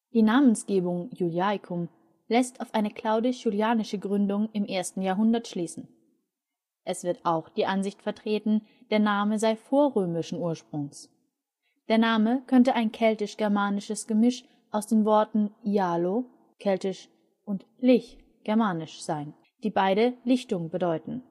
Die Namensgebung Iuliacum lässt auf eine Claudisch-Iulianische Gründung im ersten Jahrhundert schließen. Es wird auch die Ansicht vertreten, der Name sei vorrömischen Ursprungs: der Name könne ein keltisch-germanisches Gemisch aus den Worten " ialo " (kelt.) und " lich " (germ.) sein, die beide " Lichtung " bedeuten